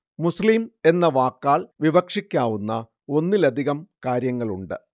മുസ്ലിം എന്ന വാക്കാൽ വിവക്ഷിക്കാവുന്ന ഒന്നിലധികം കാര്യങ്ങളുണ്ട്